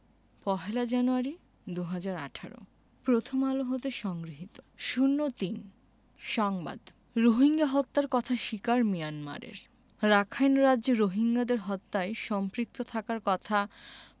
প্রহেলা January ২০১৮ Prothom Alo হতে সংগৃহীত ০৩ সংবাদ রোহিঙ্গা হত্যার কথা স্বীকার মিয়ানমারের রাখাইন রাজ্যে রোহিঙ্গাদের হত্যায় সম্পৃক্ত থাকার কথা